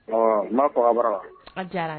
Ɔ n' kɔrɔbara la diyara